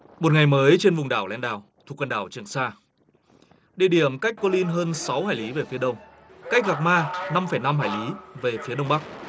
một ngày mới trên vùng đảo len đào thuộc quần đảo trường sa địa điểm cách cô lin hơn sáu hải lý về phía đông cách gạc ma năm phẩy năm hải lý về phía đông bắc